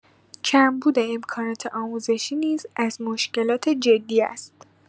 کمبود امکانات آموزشی نیز از مشکلات جدی است.